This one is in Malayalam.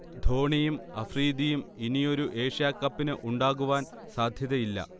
ധോണിയും അഫ്രിദിയും ഇനിയൊരു ഏഷ്യാ കപ്പിന് ഉണ്ടാകുവാൻ സാധ്യത ഇല്ല